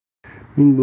men bu ishni